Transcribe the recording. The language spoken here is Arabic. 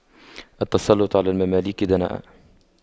التسلُّطُ على المماليك دناءة